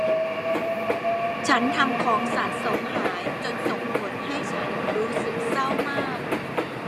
ฉันทำของสะสมหายจนส่งผลให้ฉันรู้สึกเศร้ามาก